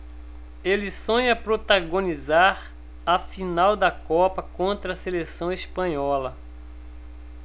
ele sonha protagonizar a final da copa contra a seleção espanhola